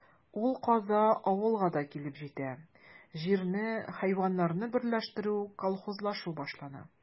Ул каза авылга да килеп җитә: җирне, хайваннарны берләштерү, колхозлашу башлана.